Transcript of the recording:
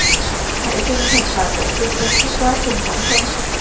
hãy trung thực và tự tin trong suốt quá trình phỏng vấn